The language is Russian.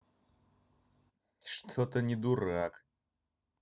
что то не дурак